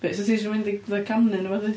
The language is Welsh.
Be, so ti jyst yn mynd i fatha canu neu wbath wyt?